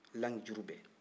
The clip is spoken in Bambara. lang jurubɛ